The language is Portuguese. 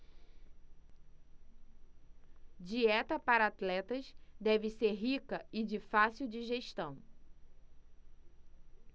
dieta para atletas deve ser rica e de fácil digestão